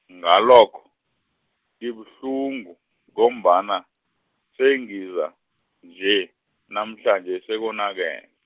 ngalokho, ngibuhlungu, ngombana, sengiza, nje, namhlanje sekonake-.